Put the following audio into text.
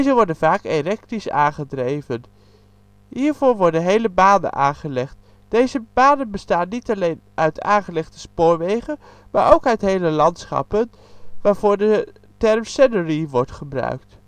worden vaak elektrisch aangedreven. Hiervoor worden hele banen aangelegd. Deze banen bestaan niet alleen uit aangelegde spoorwegen, maar ook uit hele landschappen, waarvoor de term scenery wordt gebruikt